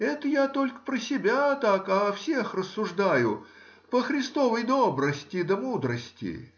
это я только про себя так о всех рассуждаю, по Христовой добрости да мудрости.